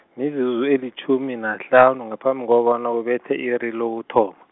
mizuzu elitjhumi nahlanu, ngaphambi kobana kubethe i-iri lokuthoma.